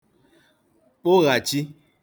kpụ̀ghachi